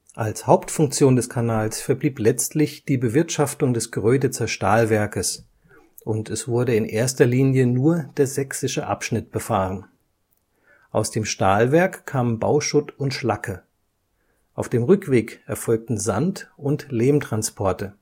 Als Hauptfunktion des Kanals verblieb letztlich die Bewirtschaftung des Gröditzer Stahlwerkes und es wurde in erster Linie nur der sächsische Abschnitt befahren. Aus dem Stahlwerk kamen Bauschutt und Schlacke. Auf dem Rückweg erfolgten Sand - und Lehmtransporte